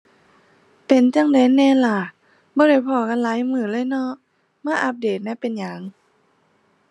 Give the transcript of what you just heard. เป็นจั่งใดแหน่ล่ะ บ่ได้พ้อกันหลายมื้อเลยเนาะ มาอัปเดตแหน่เป็นหยัง